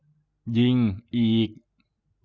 ยิงอีก